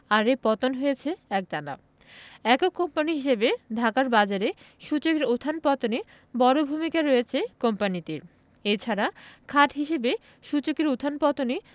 আর এ পতন হয়েছে একটানা একক কোম্পানি হিসেবে ঢাকার বাজারে সূচকের উত্থান পতনে বড় ভূমিকা রয়েছে কোম্পানিটির এ ছাড়া খাত হিসেবে সূচকের উত্থান পতনে